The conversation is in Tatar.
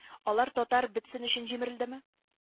Алар татар бетсен өчен җимерелдеме